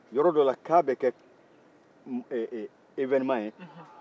yɔrɔ dɔ la ka bɛ kɛ koba ye